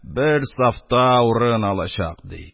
Бер сафта урын алачак, ди.